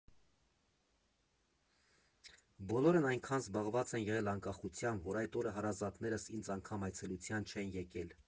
Բոլորն այնքան զբաղված են եղել անկախությամբ, որ այդ օրը հարազատներս ինձ անգամ այցելության չեն եկել։